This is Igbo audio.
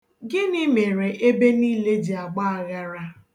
Gịnị mere ebe niile ji agba aghara?